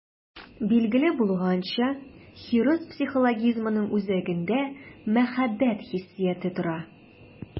Билгеле булганча, хирыс психологизмының үзәгендә мәхәббәт хиссияте тора.